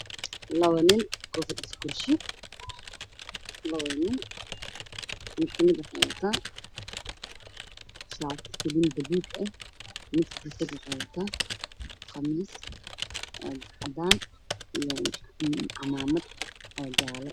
Laba nin oo ku fadhido kursi lid ka mid ah waxa uu wata shatibaal cadaan ah dadka kalena waxa uu wataa khamiista caddaan ah